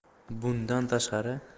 bundan tashqari